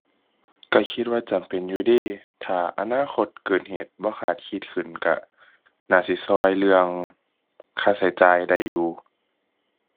ก็คิดว่าจำเป็นอยู่เดะ ถ้าอนาคตเกิดเหตุบ่คาดคิดขึ้นก็น่าสิก็เรื่องค่าก็จ่ายได้อยู่